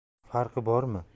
farqi bormi